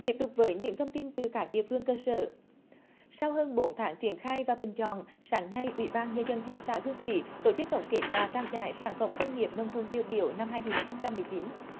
tiếp tục với những thông tin từ các địa phương cơ sở sau hơn bốn tháng triển khai và bình chọn sáng nay ủy ban nhân dân thị xã hương thủy tổ chức tổng kết và trao giải sản phẩm công nghiệp nông thôn tiêu biểu năm hai nghìn không trăm mười chín